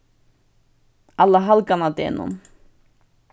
allahalgannadegnum